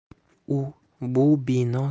u bu bino